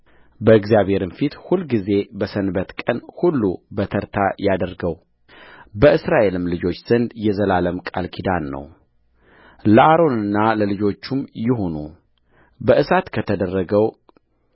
በእግዚአብሔር ፊት ሁልጊዜ በሰንበት ቀን ሁሉ በተርታ ያድርገው በእስራኤል ልጆች ዘንድ የዘላለም ቃል ኪዳን ነውለአሮንና ለልጆቹም ይሁን በእሳት ከተደረገው